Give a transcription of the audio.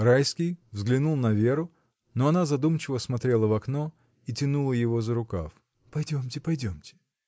Райский взглянул на Веру, но она задумчиво смотрела в окно и тянула его за рукав. — Пойдемте, пойдемте!